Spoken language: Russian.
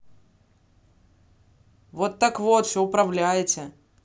вот так вот все управляете